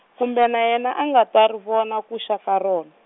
kumbe na yena anga ta ri vona ku xa ka rona.